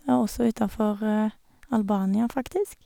Og også utafor Albania, faktisk.